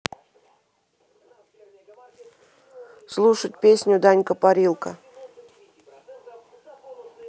слушать слушать песню данька парилка